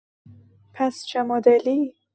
پس چه مدلی؟